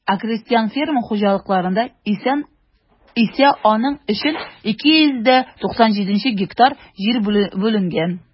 Ә крестьян-фермер хуҗалыкларында исә аның өчен 297 гектар җир бүленгән.